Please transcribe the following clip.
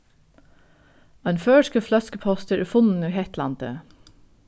ein føroyskur fløskupostur er funnin í hetlandi